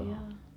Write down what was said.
joo